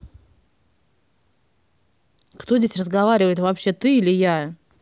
кто здесь разговаривает вообще ты или я